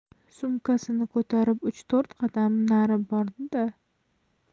sumkasini ko'tarib uch to'rt qadam nari bordi da